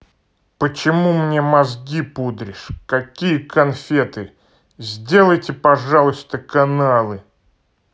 почему мне мозги пудришь какие конфеты сделайте пожалуйста каналы